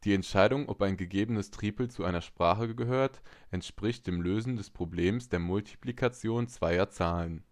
Entscheidung, ob ein gegebenes Tripel zu dieser Sprache gehört, entspricht dem Lösen des Problems der Multiplikation zweier Zahlen